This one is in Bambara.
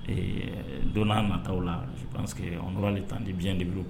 Ee don' nata la su que anɔrɔ tan di biyɛn de bolo